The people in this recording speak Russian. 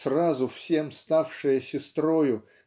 сразу всем ставшая сестрою